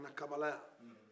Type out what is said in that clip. ka na kabaala yan